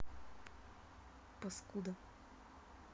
паскуда